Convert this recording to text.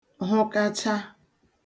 hụkacha